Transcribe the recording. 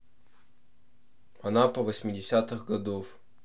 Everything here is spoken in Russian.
анапа восьмидесятых годов